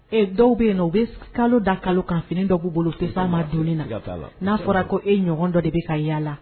Ɛ dɔw bɛ yen na u bɛ kalo da kalo kan fini dɔw' bolo te taama ma don na n'a fɔra ko e ɲɔgɔn dɔ de bɛ ka yalala